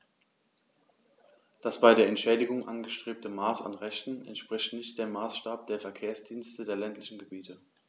Das bei der Entschädigung angestrebte Maß an Rechten entspricht nicht dem Maßstab der Verkehrsdienste der ländlichen Gebiete.